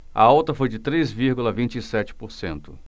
a alta foi de três vírgula vinte e sete por cento